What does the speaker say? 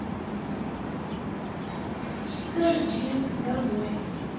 подожди домой